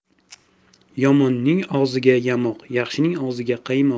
yomonning og'ziga yamoq yaxshining og'ziga qaymoq